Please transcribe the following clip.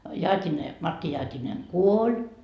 Jaatinen Matti Jaatinen kuoli